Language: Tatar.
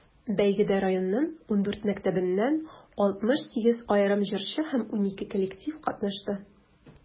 Бәйгедә районның 14 мәктәбеннән 68 аерым җырчы һәм 12 коллектив катнашты.